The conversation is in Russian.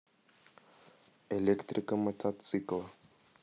электрика мотоцикла